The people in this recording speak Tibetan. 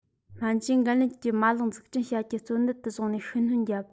སྨན བཅོས འགན ལེན གྱི མ ལག འཛུགས སྐྲུན བྱ རྒྱུ གཙོ གནད དུ བཟུང ནས ཤུགས སྣོན བརྒྱབ